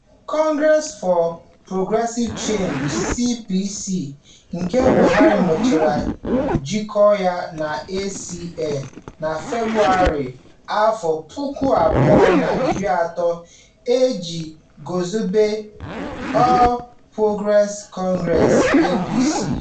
Congress for Progressive Change (CPC) nke Buhari mechara jikọnye na ACN, na Febụwarị 2013, iji guzobe All Progressive Congress (APC) .